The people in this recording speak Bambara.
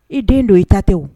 I den don i ta tɛwu